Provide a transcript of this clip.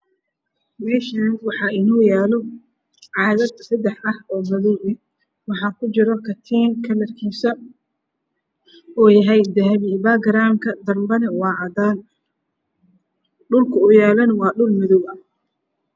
Me Shan waxa inoyala caagag sedax ah o madow eh waxa kujiro katiin kalar kisa uyahay dahabi bagaram ka Dan Bana wa cadan dhul ka uyalana waa dhul madow ah